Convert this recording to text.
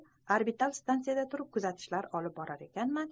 orbital stansiyada turib kuzatishlar olib borar ekanman